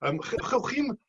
yym che- chewch chi'm